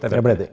det ble de.